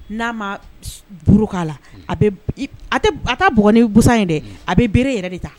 N'a ma boro k'a la, a ta bugɔ ni busan in dɛ, a bɛ bere yɛrɛ de ta!